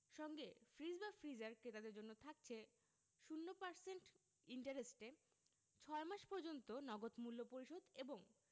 সঙ্গে fridge freezer ক্রেতাদের জন্য থাকছে ০% ইন্টারেস্টে ৬ মাস পর্যন্ত নগদ মূল্য পরিশোধ এবং